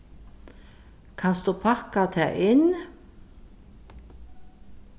kanst tú pakka tað inn